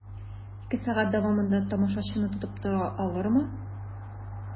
Ике сәгать дәвамында тамашачыны тотып тора алырмы?